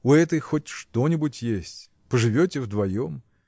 у этой хоть что-нибудь есть; проживете вдвоем.